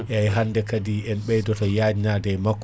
eyyi hannde kaadi en ɓeeydoto yajnade e makko